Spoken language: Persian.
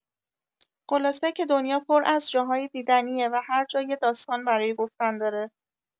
خلاصه که دنیا پر از جاهای دیدنیه و هر جا یه داستان برای گفتن داره.